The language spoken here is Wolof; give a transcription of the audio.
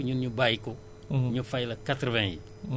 vingt pour cent yooyu nga bàyyil ko